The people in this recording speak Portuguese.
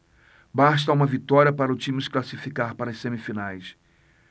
basta uma vitória para o time se classificar para as semifinais